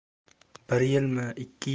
bir yilmi ikki